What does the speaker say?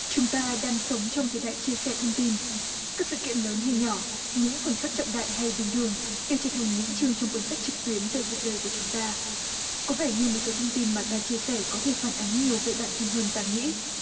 chúng ta đang sống trong thời đại chia sẻ thông tin các sự kiện lớn hay nhỏ những khoảnh khắc trọng đại hay bình thường đều trở thành những chương trong cuốn sách trực tuyến về cuộc đời của chúng ta có vẻ như một số thông tin mà ta chia sẻ có thể phản ánh nhiều về bản thân hơn ta nghĩ